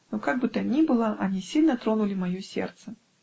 но как бы то ни было они сильно тронули мое сердце.